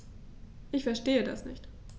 Ich verstehe das nicht.